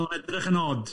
Oedd yn edrych yn od.